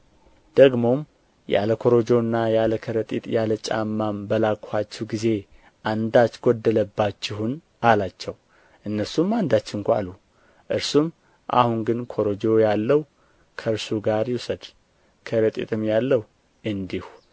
ደግሞም ያለ ኮረጆና ያለ ከረጢት ያለ ጫማም በላክኋችሁ ጊዜ አንዳች ጐደለባችሁን አላቸው እነርሱም አንዳች እንኳ አሉ እርሱም አሁን ግን ኮረጆ ያለው ከእርሱ ጋር ይውሰድ ከረጢትም ያለው እንዲሁ